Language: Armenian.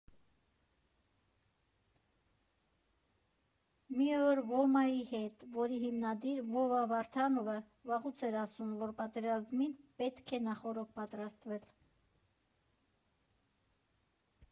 Մի օր ՈՄԱ֊ի հետ, որի հիմնադիր Վովա Վարդանովը վաղուց էր ասում, որ պատերազմին պետք է նախօրոք պատրաստվել։